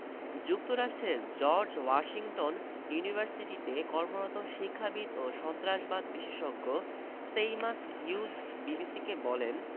যুক্তরাষ্ট্রের George Washington ইউনিভার্সিটিতে কর্মরত শিক্ষাবিদ ও সন্ত্রাসবাদ বিশেষজ্ঞ সেইমাস হিউজ বিবিসিকে বলেন